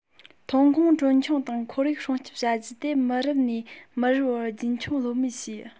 ཐོན ཁུངས གྲོན ཆུང དང ཁོར ཡུག སྲུང སྐྱོང བྱ རྒྱུ དེ མི རབས ནས མི རབས བར རྒྱུན འཁྱོངས ལྷོད མེད བྱས